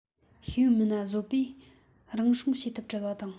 ཤེས ཡོན མེད ན བཟོ པས རང སྲུང བྱེད ཐབས བྲལ བ དང